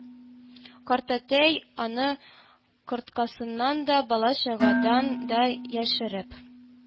Картәтәй аны корткасыннан да, бала-чагадан да яшереп